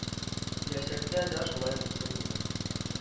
Киләчәктә дә шулай булсын иде